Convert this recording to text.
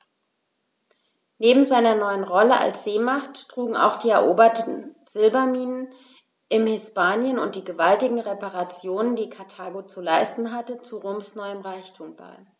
Neben seiner neuen Rolle als Seemacht trugen auch die eroberten Silberminen in Hispanien und die gewaltigen Reparationen, die Karthago zu leisten hatte, zu Roms neuem Reichtum bei.